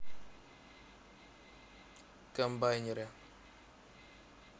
комбайнеры